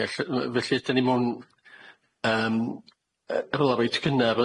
Ie ll- yy fe- lle 'dan ni mewn yym yn rwla reit gynnar